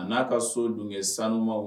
A n'a ka so dun kɛ sanuma